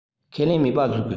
ཁས ལེན མེད པ བཟོས དགོ